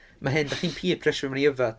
Mae hyn, dach chi'n preshyro fi mewn i yfed.